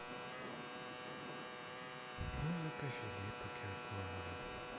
музыка филиппа киркорова